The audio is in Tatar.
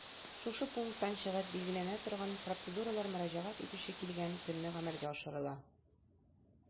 Шушы пункттан чыгып билгеләнә торган процедуралар мөрәҗәгать итүче килгән көнне гамәлгә ашырыла.